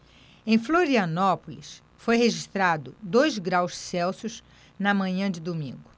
em florianópolis foi registrado dois graus celsius na manhã de domingo